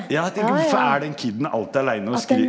ja at det hvorfor er den kiden alltid aleine og?